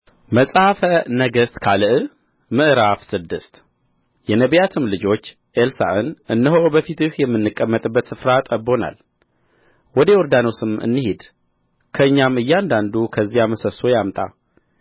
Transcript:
መጽሐፈ ነገሥት ካልዕ ምዕራፍ ስድስት የነቢያትም ልጆች ኤልሳዕን እነሆ በፊትህ የምንቀመጥበት ስፍራ ጠብቦናል ወደ ዮርዳኖስም እንሂድ ከእኛም እያንዳንዱ ከዚያ ምሰሶ ያምጣ